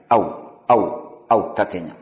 aw aw aw ta tɛ ɲɛ